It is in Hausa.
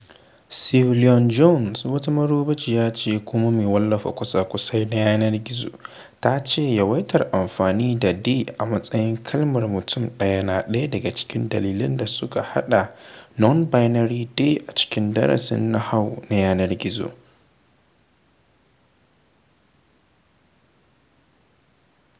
Sue Lyon-Jones, wata marubuciya kuma mai wallafa kwasa-kwasai na yanar-gizo, ta ce yawaitar amfani da “they” a matsayin kalmar mutum daya na daga cikin dalilan da suka sa ta haɗa “nonbinary they” a cikin darasin nahawu na yanar gizo.